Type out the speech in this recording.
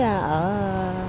a